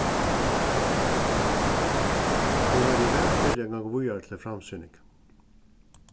nú var eg væl fyri at ganga víðari til framsýning